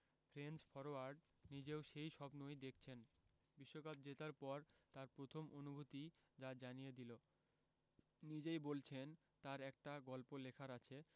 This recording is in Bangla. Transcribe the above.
ফ্রেঞ্চ ফরোয়ার্ড নিজেও সেই স্বপ্নই দেখছেন বিশ্বকাপ জেতার পর তাঁর প্রথম অনুভূতিই যা জানিয়ে দিল নিজেই বলছেন তাঁর একটা গল্প লেখার আছে